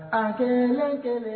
A kelen kelen